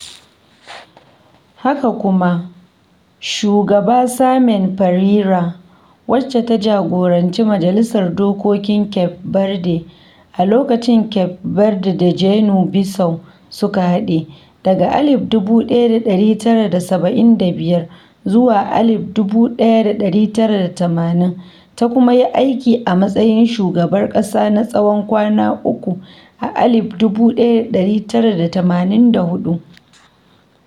Haka kuma, shugaba Carmen Pereira, wacce ta jagoranci majalisar dokokin Cape Verde (a lokacin da Cape Verde da Guinea-Bissau suka haɗe) daga 1975 zuwa 1980, ta kuma yi aiki a matsayin shugabar ƙasa na tsawon kwana uku a 1984.